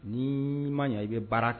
N'i ma ɲɛ i bɛ baara kɛ